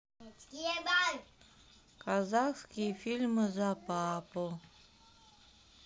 казахские фильмы за папу